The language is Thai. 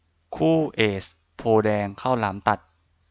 คู่เอซโพธิ์แดงข้าวหลามตัด